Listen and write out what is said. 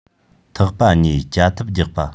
ཐག པ གཉིས རྐྱ འཐབ རྒྱག པ